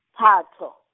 Phato.